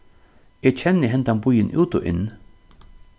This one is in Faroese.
eg kenni hendan býin út og inn